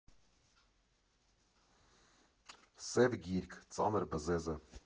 Սև գիրք, ծանր բզեզը։